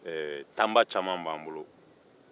tanba caman b'an bolo